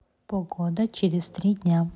погода через три дня